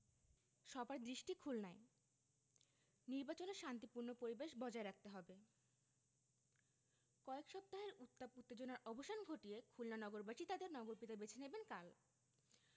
সবার দৃষ্টি খুলনায় নির্বাচনে শান্তিপূর্ণ পরিবেশ বজায় রাখতে হবে কয়েক সপ্তাহের উত্তাপ উত্তেজনার অবসান ঘটিয়ে খুলনা নগরবাসী তাঁদের নগরপিতা বেছে নেবেন কাল